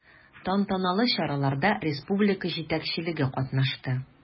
Тантаналы чараларда республика җитәкчелеге катнашты.